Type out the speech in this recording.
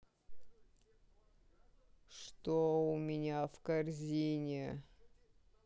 что у меня в корзине